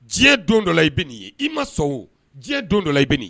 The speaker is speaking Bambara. Diɲɛ don dɔ i bɛ nin ye i ma sɔn o diɲɛ don dɔ i bɛ nin